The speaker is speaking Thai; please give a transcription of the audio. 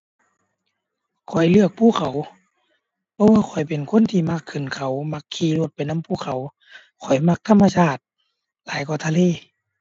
ข้อยเลือกภูเขา เพราะว่าข้อยเป็นคนที่มักขึ้นเขา มักขี่รถไปนำภูเขา ข้อยมักธรรมชาติหลายกว่าทะเล